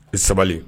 I sabali